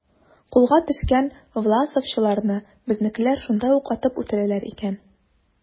Кулга төшкән власовчыларны безнекеләр шунда ук атып үтерәләр икән.